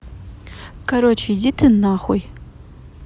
короче иди ты нахуй